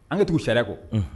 An ka tugu'u sariya kɔ